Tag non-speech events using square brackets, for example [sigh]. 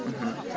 [hesitation] [hesitation]